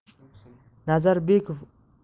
nazarbekov ozodbek